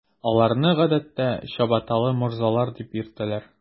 Аларны, гадәттә, “чабаталы морзалар” дип йөртәләр.